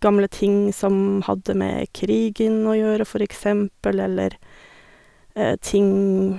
gamle ting som hadde med krigen å gjøre, for eksempel, eller ting...